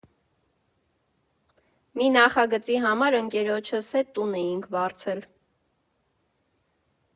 Մի նախագծի համար ընկերոջս հետ տուն էինք վարձել։